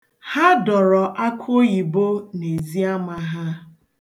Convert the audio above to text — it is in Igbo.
Ha dọrọ akụoyibo n'eziama ha.